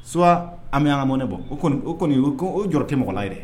Soit an bɛ an ka monaie bɔ, o kɔnni o kɔnni ,o ko ,o jɔrɔ tɛ mɔgɔ la yɛrɛ.